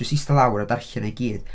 Wnes i eistedd i lawr a darllen o i gyd.